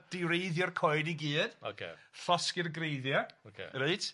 di wreiddio'r coed i gyd. Ocê. Llosgi'r greiddie. Ocê. Reit?